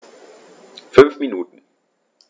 5 Minuten